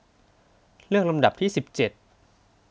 เลือกลำดับที่สิบเจ็ด